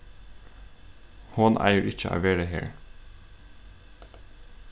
hon eigur ikki at vera her